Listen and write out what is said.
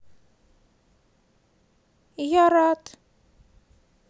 я рад